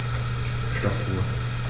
Stoppuhr.